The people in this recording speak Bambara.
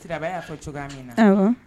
Sira y'a fɔ cogoya min na